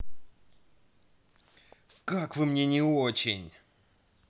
как вы мне не очень